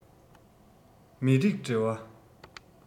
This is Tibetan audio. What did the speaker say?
མི རིགས འབྲེལ བ